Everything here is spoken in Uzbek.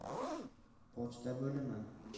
pochta bo'limi